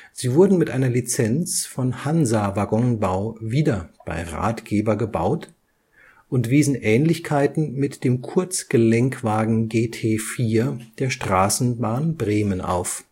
Sie wurden mit einer Lizenz von Hansa Waggonbau wieder bei Rathgeber gebaut und wiesen Ähnlichkeiten mit dem Kurzgelenkwagen GT4 der Straßenbahn Bremen auf